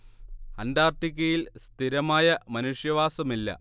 അന്റാർട്ടിക്കയിൽ സ്ഥിരമായ മനുഷ്യവാസമില്ല